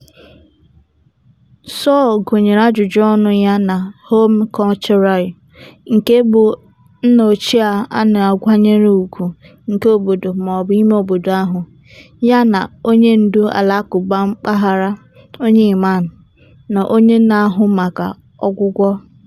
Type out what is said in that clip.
Sow gụnyere ajụjụọnụ ya na “homme culturel,” nke bụ nnaochie a na-akwanyere ùgwù nke obodo maọbụ imeobodo ahụ, yana onyendu Alakụba mpaghara (onye imam) na onye na-ahụ maka ọgwụgwọ.